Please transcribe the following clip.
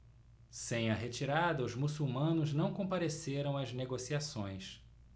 sem a retirada os muçulmanos não compareceram às negociações